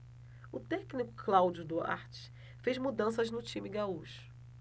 o técnico cláudio duarte fez mudanças no time gaúcho